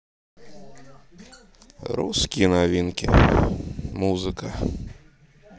русские новинки музыка